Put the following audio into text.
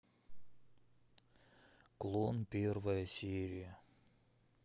клон первая серия